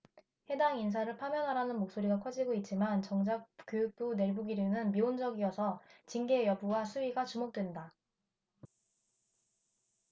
해당 인사를 파면하라는 목소리가 커지고 있지만 정작 교육부 내부기류는 미온적이어서 징계 여부와 수위가 주목된다